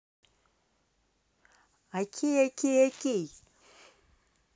ok ok ok